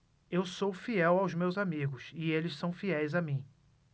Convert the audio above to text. eu sou fiel aos meus amigos e eles são fiéis a mim